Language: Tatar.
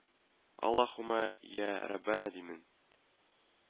Аллаһуммә, йә Раббанә, димен